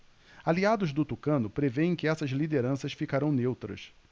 aliados do tucano prevêem que essas lideranças ficarão neutras